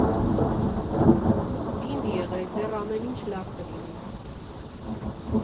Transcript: Պինդ եղեք, դեռ ամեն ինչ լավ կլինի։